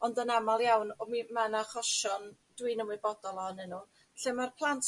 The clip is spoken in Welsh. ond yn amal iawn o mi ma' 'na achosion dwi'n ymwybodol ohonyn nhw lle ma'r plant